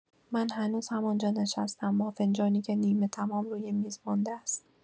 من هنوز همان‌جا نشسته‌ام، با فنجانی که نیمه‌تمام روی میز مانده است.